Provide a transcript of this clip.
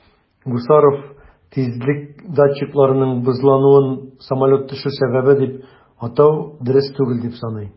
Гусаров тизлек датчикларының бозлануын самолет төшү сәбәбе дип атау дөрес түгел дип саный.